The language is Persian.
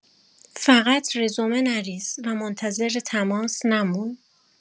فقط رزومه نریز و منتظر تماس نمون.